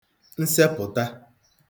nsepụ̀ta